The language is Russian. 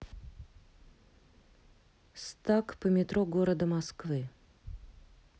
stuck по метро города москвы